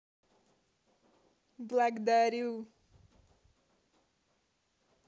благдарю